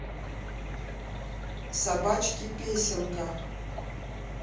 собачки песенка